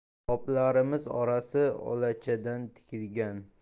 qoplarimiz orasi olachadan tikilgan